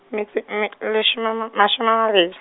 metso me-, leshome a ma-, mashome a mabedi.